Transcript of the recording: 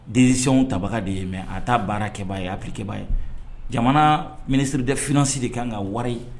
Denw tabaga de ye mɛ a taa baarakɛba ye arikɛba ye jamana minisiririd finɛsi de kan ka wari ye